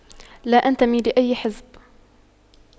لا أنتمي لأي حزب